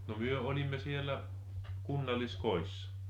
no me olimme siellä kunnalliskodissa